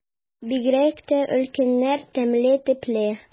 Бигрәк тә өлкәннәр тәмле телле.